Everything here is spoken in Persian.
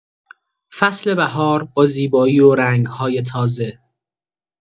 فصل بهار با زیبایی و رنگ‌های تازه